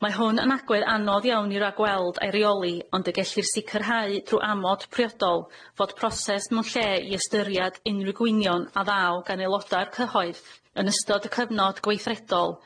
Mae hwn yn agwedd anodd iawn i'w ragweld a'i reoli ond y gellir sicrhau trw amod priodol fod proses mewn lle i ystyriad unrhyw gwynion a ddaw gan aeloda'r cyhoedd yn ystod y cyfnod gweithredol